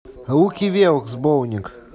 руки вверх сборник